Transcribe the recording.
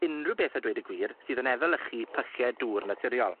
Unryw beth a dweud y gwir sydd yn efelychu pylle dŵr naturiol.